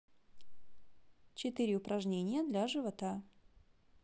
четыре упражнения для живота